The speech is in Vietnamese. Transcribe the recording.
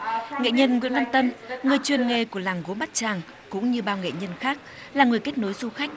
nghệ nhân nguyễn văn tân người truyền nghề của làng gốm bát tràng cũng như bao nghệ nhân khác là người kết nối du khách